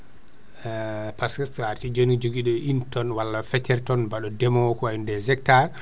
par ce que so arti joni ne joogui ɗo une tonne walla feccere tonne deemowo ko wayno des hectares